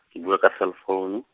ke bua ka cellfounu.